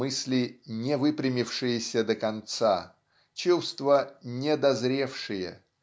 мысли, не выпрямившиеся до конца, чувства недозревшие